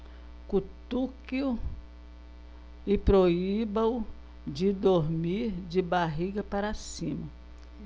cutuque-o e proíba-o de dormir de barriga para cima